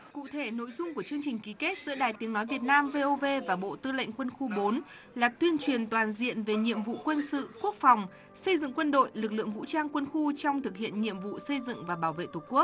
cụ thể nội dung của chương trình ký kết giữa đài tiếng nói việt nam vê ô vê và bộ tư lệnh quân khu bốn là tuyên truyền toàn diện về nhiệm vụ quân sự quốc phòng xây dựng quân đội lực lượng vũ trang quân khu trong thực hiện nhiệm vụ xây dựng và bảo vệ tổ quốc